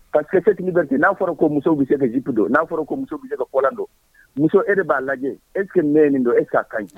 Parce que n'a fɔra ko musow bi se ka jupe don n'a fɔra ko musow bi se ka collant don muso e de b'a lajɛ est ce que nin ne ye nin don est ce que a kaɲi